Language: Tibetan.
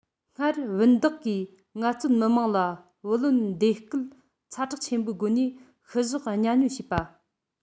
སྔར བུན བདག གིས ངལ རྩོལ མི དམངས ལ བུ ལོན འདེད སྐུལ ཚ དྲག ཆེན པོའི སྒོ ནས བཤུ གཞོག གཉའ གནོན བྱེད པ